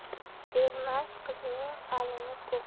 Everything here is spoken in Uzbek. bermas qizning qalini ko'p